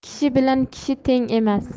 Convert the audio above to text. kishi bilan kishi teng emas